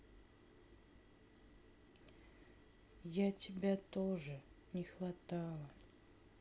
я тебя тоже не хватало